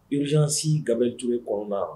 Zsi gabej kɔnɔna na